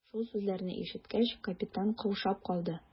Шул сүзләрне ишеткәч, капитан каушап калды.